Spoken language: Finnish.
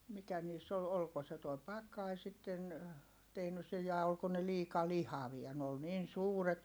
mikä niissä oli oliko se tuo pakkanen sitten tehnyt sen ja oliko ne liika lihavia ne oli niin suuret